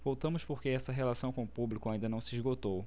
voltamos porque essa relação com o público ainda não se esgotou